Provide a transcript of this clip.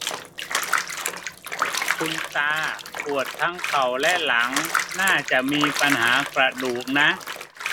คุณตาปวดทั้งเข่าและหลังน่าจะมีปัญหากระดูกนะ